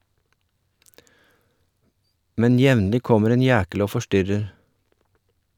Men jevnlig kommer en jækel og forstyrrer.